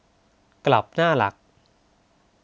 กลับหน้าหลัก